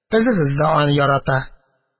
Кызыгыз да аны ярата.